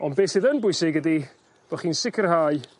Ond beth sydd yn bwysig ydi bo' chi'n sicirhau